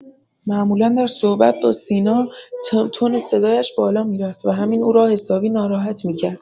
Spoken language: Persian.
معمولا در صحبت با سینا، تن صدایش بالا می‌رفت و همین او را حسابی ناراحت می‌کرد.